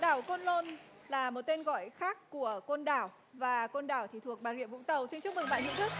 đảo côn lôn là một tên gọi khác của côn đảo và côn đảo thì thuộc bà rịa vũng tàu xin chúc mừng bạn hữu thức